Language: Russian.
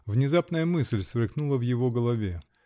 Внезапная мысль сверкнула в его голове.